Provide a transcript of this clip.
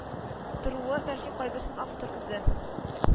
Торуы, бәлки кайберсен автор үзе